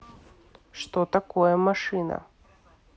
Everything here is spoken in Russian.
что такое машина